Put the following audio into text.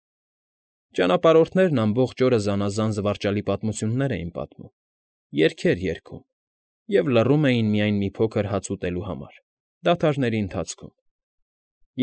Ճանապարհորդներն ամբողջ օրը զանազան զվարճալի պատմություններ էին պատմում, երգեր երգում և լռում էին միայն մի փոքր հաց ուտելու համար, դադարների ընթացքում։